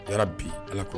Yarabi Ala k'o